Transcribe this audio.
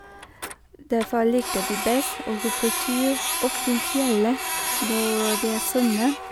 Derfor liker vi best å gå på tur opp til fjellet når det er sommer.